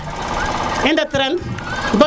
i ndet ren